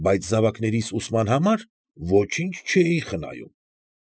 Բայց զավակներիս ուսման համար ոչինչ չէի խնայում։